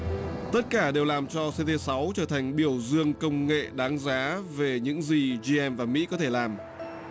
tất cả đều làm cho sê tê sáu trở thành biểu dương công nghệ đáng giá về những gì di em và mỹ có thể làm